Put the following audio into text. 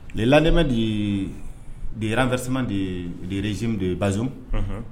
lelalenma de deranfasi de ye derez de ye baz